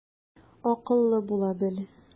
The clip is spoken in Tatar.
Акыллы була бел.